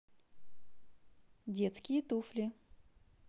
детские туфли